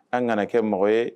An kana kɛ mɔgɔ ye